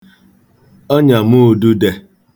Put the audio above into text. ọnyàmuūdūdē